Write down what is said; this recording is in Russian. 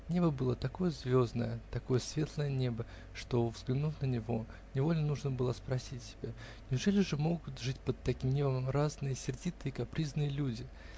Небо было такое звездное, такое светлое небо, что взглянув на него, невольно нужно было спросить себя неужели же могут жить под таким небом разные сердитые и капризные люди?